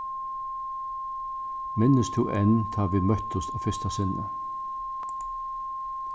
minnist tú enn tá vit møttust á fyrsta sinni